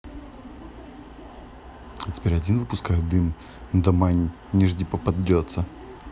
я теперь один выпускаю дым на дома не жди попадется